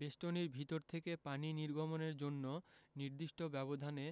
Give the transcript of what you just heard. বেষ্টনীর ভিতর থেকে পানি নির্গমের জন্য নির্দিষ্ট ব্যবধানে